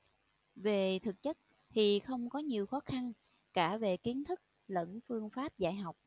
về thực chất thì không có nhiều khó khăn cả về kiến thức lẫn phương pháp dạy học